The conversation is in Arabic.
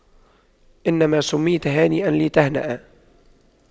إنما سُمِّيتَ هانئاً لتهنأ